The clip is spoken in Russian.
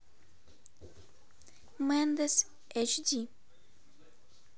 мэндес эч ди